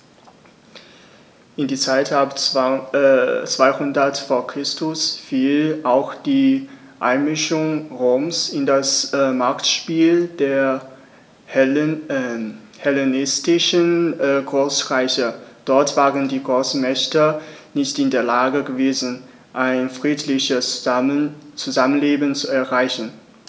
In die Zeit ab 200 v. Chr. fiel auch die Einmischung Roms in das Machtspiel der hellenistischen Großreiche: Dort waren die Großmächte nicht in der Lage gewesen, ein friedliches Zusammenleben zu erreichen.